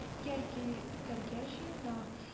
Гә китәргә җыена